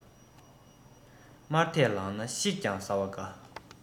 དམར དད ལངས ན ཤིག ཀྱང ཟ བ དགའ